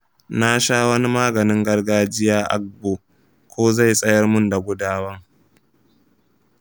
nasha wani maganin gargajiya agbo ko zai tsayar mun da gudawan.